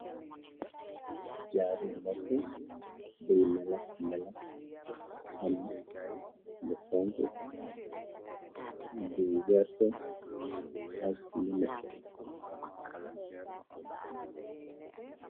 Jaaru noppu buy melax melax, am lu xonxu, lu werta ak lu nete.